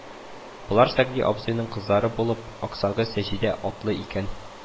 Болар Сәгъди абзыйның кызлары булып, аксагы Саҗидә атлы икән